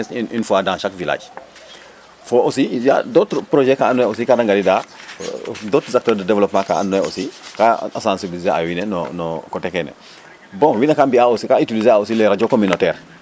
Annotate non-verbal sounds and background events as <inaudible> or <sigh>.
au moin une fois dans chaque village fo aussi il a d' autres projet kaa andoona yee ka da ngariida <hesitation> d' autres activités de développement kaa andoona yee aussi ka a sensibliser a wiin we no no coté kene bon wiin we ka mbi'aa aussi ka utiliser les radios communautaire